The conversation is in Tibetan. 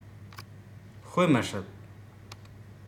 དཔེ མི སྲིད